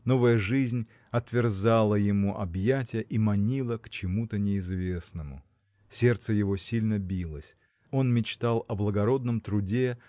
новая жизнь отверзала ему объятия и манила к чему-то неизвестному. Сердце его сильно билось. Он мечтал о благородном труде